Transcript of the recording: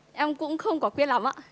em cũng không quả quyết lắm ạ